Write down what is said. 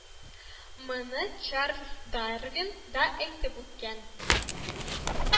Моны Чарлз Дарвин да әйтеп үткән